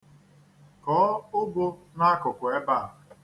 Kọọ ụgụ n'akụkụ ebe a.